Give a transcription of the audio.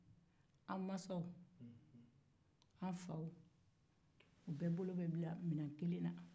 an faw bɛɛ bolo bɛ minɛn kelen na